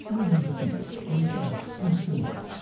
— Дай мне пить, вон там, на столе!